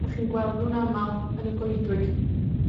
'Dach chi'n gweld nw'n amal yn y goedwig.